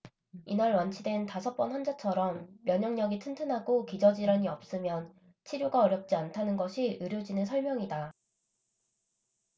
이날 완치된 다섯 번 환자처럼 면역력이 튼튼하고 기저 질환이 없으면 치료가 어렵지 않다는 것이 의료진의 설명이다